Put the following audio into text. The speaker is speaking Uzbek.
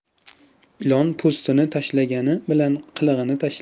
ilon po'stini tashlagani bilan qilig'ini tashlamas